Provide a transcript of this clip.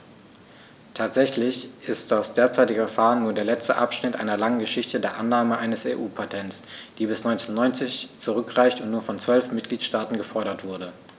Tatsächlich ist das derzeitige Verfahren nur der letzte Abschnitt einer langen Geschichte der Annahme eines EU-Patents, die bis 1990 zurückreicht und nur von zwölf Mitgliedstaaten gefordert wurde.